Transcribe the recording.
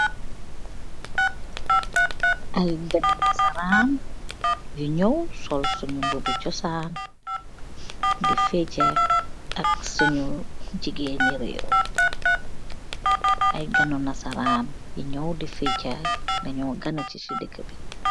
Ay kehnuh nasaran yu yuw sol sugguh bubi josann di fejax ak sunguh jigeen nu reew ay kanuh nasaran di yuw di fajax dey yuw kaneh sung deygah bi.